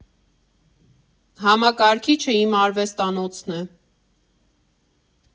Համակարգիչը իմ արվեստանոցն է։